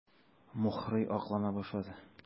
Мухрый аклана башлады.